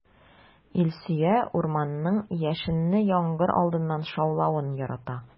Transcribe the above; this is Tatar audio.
Илсөя урманның яшенле яңгыр алдыннан шаулавын ярата.